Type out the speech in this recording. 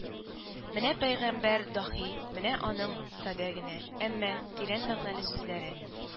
Менә пәйгамбәр, даһи, менә аның садә генә, әмма тирән мәгънәле сүзләре: